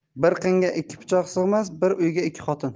bir qinga ikki pichoq sig'mas bir uyga ikki xotin